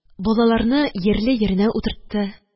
Балаларны йирле йиренә утыртты